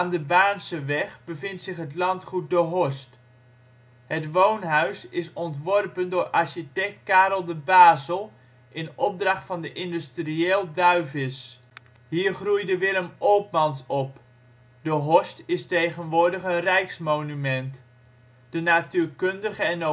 de Baarnseweg bevindt zich het landgoed De Horst. Het woonhuis is ontworpen door architect Karel de Bazel in opdracht van de industrieel Duyvis. Hier groeide Willem Oltmans op. De Horst is tegenwoordig een rijksmonument. De natuurkundige en